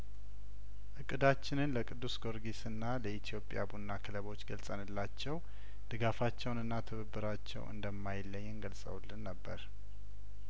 እቅዳችንን ለቅዱስ ጊዮርጊስና ለኢትዮጵያ ቡና ክለቦች ገልጸንላቸው ድጋፋቸውንና ትብብራቸው እንደማይለየን ገልጸውልን ነበር